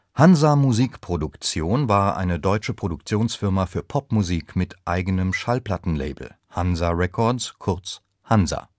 Hansa Musik Produktion war eine deutsche Produktionsfirma für Popmusik mit eigenem Schallplattenlabel (Hansa Records, kurz: Hansa